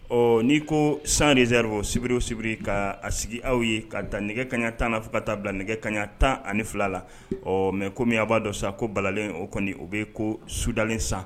Ɔ n'i ko sanerir sibiriw sibiri ka a sigi aw ye ka taa nɛgɛ kaɲa tan fo ka taa bila nɛgɛ kaɲa tan ani fila la ɔ mɛ kɔmi a b'a dɔn sa ko balalen o kɔni o bɛ ko sudalen sa